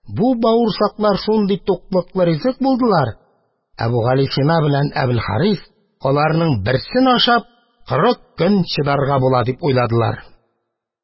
Бу бавырсаклар шундый туклыклы ризык булдылар, Әбүгалисина белән Әбелхарис аларның берсен ашап кырык көн чыдарга була дип уйладылар.